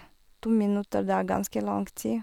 To minutter, det er ganske lang tid.